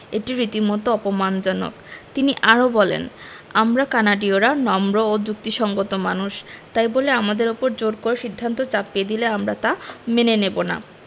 এটি রীতিমতো অপমানজনক তিনি আরও বলেন আমরা কানাডীয়রা নম্র ও যুক্তিসংগত মানুষ তাই বলে আমাদের ওপর জোর করে সিদ্ধান্ত চাপিয়ে দিলে আমরা তা মেনে নেব না